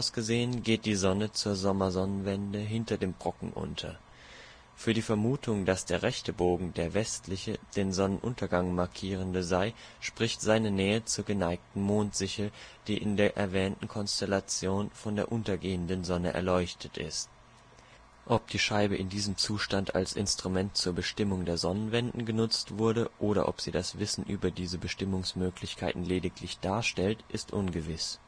gesehen, geht die Sonne zur Sommersonnenwende hinter dem Brocken unter. Für die Vermutung, dass der rechte Bogen der westliche, den Sonnenuntergang markierende sei, spricht seine Nähe zur geneigten Mondsichel, die in der erwähnten Konstellation von der untergehenden Sonne erleuchtet ist. Ob die Scheibe in diesem Zustand als Instrument zur Bestimmung der Sonnenwenden genutzt wurde, oder ob sie das Wissen über diese Bestimmungsmöglichkeiten lediglich darstellt, ist ungewiss